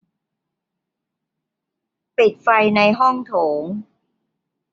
ปิดไฟในห้องโถง